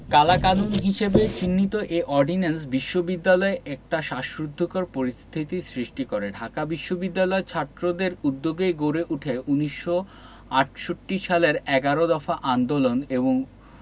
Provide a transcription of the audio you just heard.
কালাকানুন হিসেবে চিহ্নিত এ অর্ডিন্যান্স বিশ্ববিদ্যালয়ে একটা শ্বাসরুদ্ধকর পরিস্থিতির সৃষ্টি করে ঢাকা বিশ্ববিদ্যালয়ের ছাত্রদের উদ্যোগেই গড়ে উঠে ১৯৬৮ সালের এগারো দফা আন্দোলন এবং